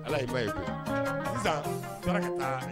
Ala ba ye sisan